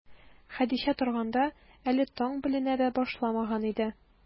Хәдичә торганда, әле таң беленә дә башламаган иде.